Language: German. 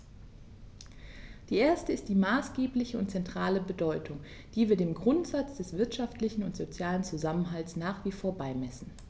Der erste ist die maßgebliche und zentrale Bedeutung, die wir dem Grundsatz des wirtschaftlichen und sozialen Zusammenhalts nach wie vor beimessen.